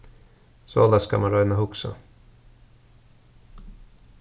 soleiðis skal mann royna at hugsa